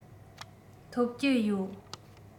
ཐོབ ཀྱི ཡོད